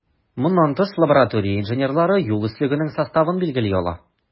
Моннан тыш, лаборатория инженерлары юл өслегенең составын билгели ала.